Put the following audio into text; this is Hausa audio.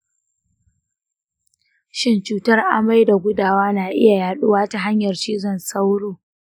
shin cutar amai da gudawa na iya yaɗuwa ta hanyar cizon sauro?